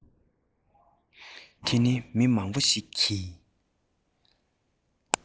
དེ ན མི མང པོ ཞིག གིས